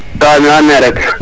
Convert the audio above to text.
Wa maxey meen rek,